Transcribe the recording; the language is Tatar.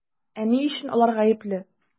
Ә ни өчен алар гаепле?